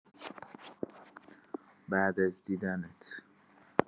بعد از دیدنت